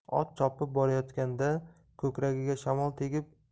ot chopib borayotganda ko'kragiga shamol